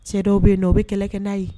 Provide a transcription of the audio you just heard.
Cɛ dɔw bɛ yen nɔ o bɛ kɛlɛ kɛ n'a ye